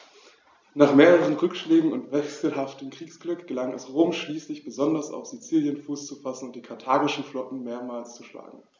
Nach mehreren Rückschlägen und wechselhaftem Kriegsglück gelang es Rom schließlich, besonders auf Sizilien Fuß zu fassen und die karthagische Flotte mehrmals zu schlagen.